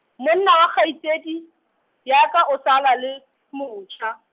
monna wa kgaitsedi, ya ka o sa la le, motjha.